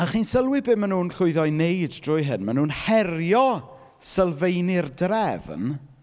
A chi'n sylwi be maen nhw'n llwyddo i wneud drwy hyn? Maen nhw'n herio sylfaenau'r drefn.